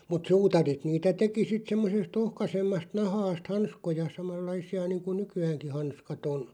mutta suutarit niitä teki sitten semmoisesta ohkaisemmasta nahkasta hanskoja samanlaisia niin kuin nykyäänkin hanskat on